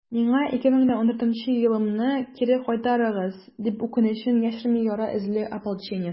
«миңа 2014 елымны кире кайтарыгыз!» - дип, үкенечен яшерми яра эзле ополченец.